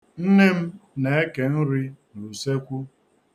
Nne m na-eke nri n'usekwu.